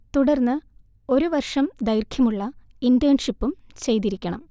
തുടർന്ന് ഒരു വർഷം ദൈർഘ്യമുള്ള ഇന്റേൺഷിപ്പും ചെയ്തിരിക്കണം